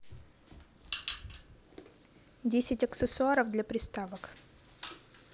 десять аксессуаров для приставок